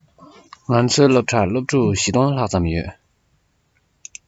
ང ཚོའི སློབ གྲྭར སློབ ཕྲུག ༤༠༠༠ ལ ལྷག ཙམ ཡོད རེད